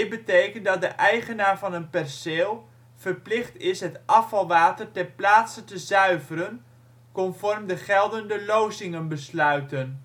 betekent dat de eigenaar van een perceel verplicht is het afvalwater ter plaatse te zuiveren conform de geldende lozingenbesluiten